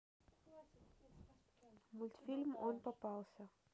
мультфильм он попался